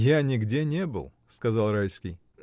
— Я нигде не был, — сказал Райский.